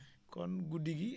kon guddi gi